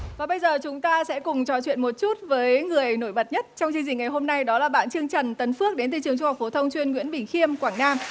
và bây giờ chúng ta sẽ cùng trò chuyện một chút với người nổi bật nhất trong chương trình ngày hôm nay đó là bạn chương trần tấn phước đến từ trường trung học phổ thông chuyên nguyễn bỉnh khiêm quảng nam